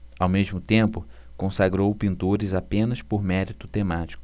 ao mesmo tempo consagrou pintores apenas por mérito temático